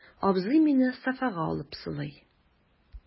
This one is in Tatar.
Абзый мине софага алып сылый.